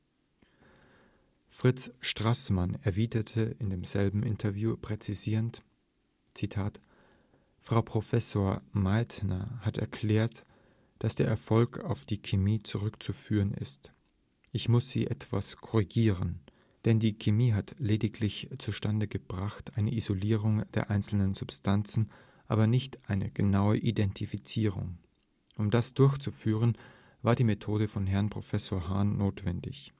Fritz Straßmann erwiderte in demselben Interview präzisierend: „ Frau Professor Meitner hat erklärt, daß der Erfolg auf die Chemie zurückzuführen ist. Ich muß sie etwas korrigieren. Denn die Chemie hat lediglich zustande gebracht eine Isolierung der einzelnen Substanzen, aber nicht eine genaue Identifizierung. Um das durchzuführen, war die Methode von Herrn Professor Hahn notwendig